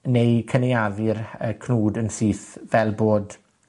Neu cynaeafu'r y cnwd yn syth fel bod